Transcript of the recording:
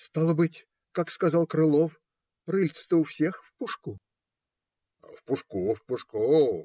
- Стало быть, как сказал Крылов, рыльце-то у всех в пушку? - В пушку, в пушку.